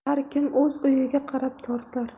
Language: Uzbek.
har kim o'z uyiga qarab tortar